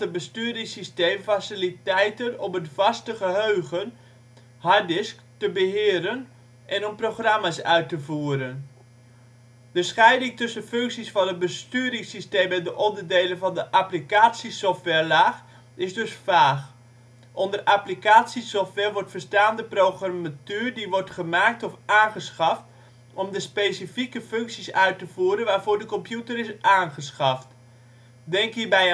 besturingssysteem faciliteiten om het vaste geheugen (harddisks) te beheren, en om programma 's uit te voeren. De scheiding tussen functies van een besturingssysteem en de onderdelen van de applicatiesoftwarelaag is dus vaag. Onder applicatiesoftware wordt verstaan de programmatuur die wordt gemaakt of aangeschaft om de specifieke functies uit te voeren waarvoor de computer is aangeschaft. Denk hierbij